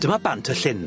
Dyma Bantyllyn.